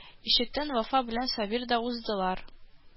Ишектән Вафа белән Сабир да уздылар